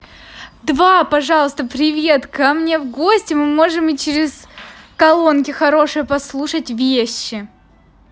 два пожалуйста привет ко мне в гости мы можем и через колонки хорошие послушать вещи